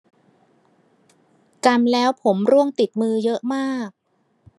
กำแล้วผมร่วงติดมือเยอะมาก